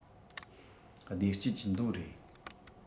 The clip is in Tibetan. བདེ སྐྱིད ཀྱི མདོ རེད